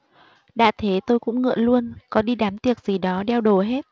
đã thế tôi cũng ngựa luôn có đi đám tiệc gì đó đeo đồ hết